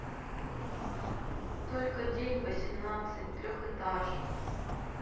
только день восемнадцать трехэтажно